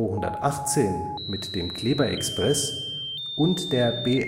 218 (mit dem Kleber-Express) und der BR